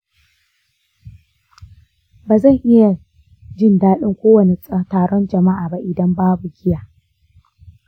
ba zan iya jin daɗin kowane taron jama'a ba idan babu giya.